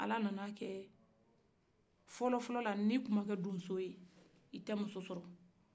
ala nana a kɛ fɔlɔ fɔlɔla ni i tun makɛ donso ye i tɛ muso sɔrɔ